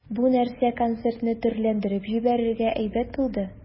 Бу нәрсә концертны төрләндереп җибәрергә әйбәт булды.